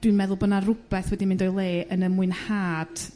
dwi'n meddwl bo' 'na r'wbeth wedi mynd o'i le yn y mwynhad